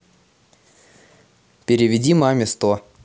переведи маме сто